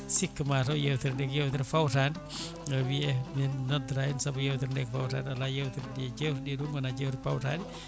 sikka mataw yewtere nde ko yewtere fawtade wii min noddata hen saabu yewtere nde ko yewtere ko fawtade ala yewtere nde jewteɗe ɗo goona jewte pawtaɗe